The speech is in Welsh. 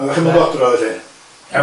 Odda chi'm yn godro felly?